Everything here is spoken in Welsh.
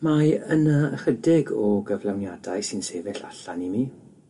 Mae yna ychydig o gyflawniadau sy'n sefyll allan i mi.